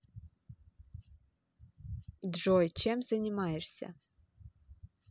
джой чем занимаешься